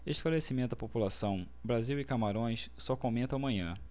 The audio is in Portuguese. esclarecimento à população brasil e camarões só comento amanhã